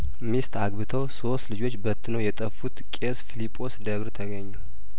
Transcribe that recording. ሚስት አግብተው ሶስት ልጆች በትነው የጠፉት ቄስ ፊሊጶስ ደብር ተገኙ